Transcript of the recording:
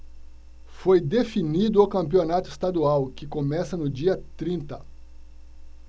foi definido o campeonato estadual que começa no dia trinta